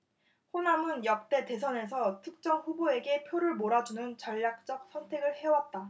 호남은 역대 대선에서 특정 후보에게 표를 몰아주는 전략적 선택을 해왔다